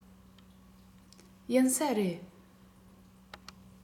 ཡིན ས རེད